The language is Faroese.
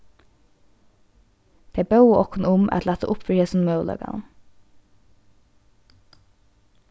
tey bóðu okkum um at lata upp fyri hesum møguleikanum